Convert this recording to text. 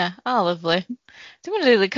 O lyfli